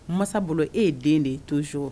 Masa bolo e ye den de ye toon so